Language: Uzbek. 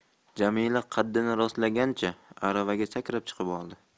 jamila qaddini rostlagancha aravaga sakrab chiqib oldi